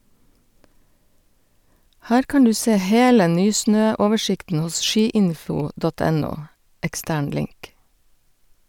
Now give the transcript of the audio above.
Her kan du se hele nysnø-oversikten hos skiinfo.no (ekstern link).